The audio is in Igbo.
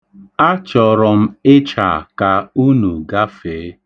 Achọrọ m ịcha ka unu gafee.